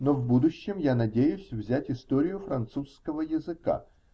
Но в будущем я надеюсь взять историю французского языка.